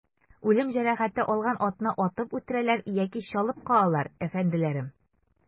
Үлем җәрәхәте алган атны атып үтерәләр яки чалып калалар, әфәнделәрем.